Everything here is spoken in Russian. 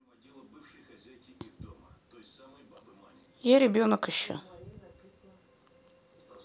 я ребенок еще